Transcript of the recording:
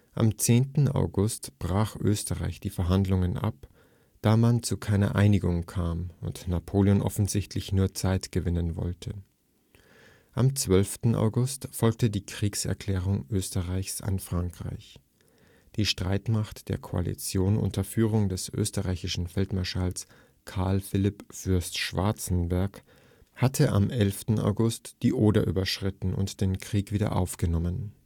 Am 10. August brach Österreich die Verhandlungen ab, da man zu keiner Einigung kam und Napoleon offensichtlich nur Zeit gewinnen wollte. Am 12. August folgte die Kriegserklärung Österreichs an Frankreich. Die Streitmacht der Koalition unter Führung des österreichischen Feldmarschalls Karl Philipp Fürst Schwarzenberg hatte am 11. August die Oder überschritten und den Krieg wieder aufgenommen